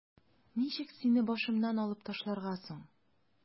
Ничек сине башымнан алып ташларга соң?